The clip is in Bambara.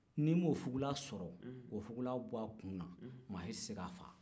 n'i m'o fugulan sɔrɔ k'o fugulan b'a kun na maa si tɛ se k'a faa